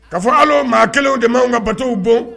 K'a fɔ hali o maa kelenw de ma anw ka bateaux w bon?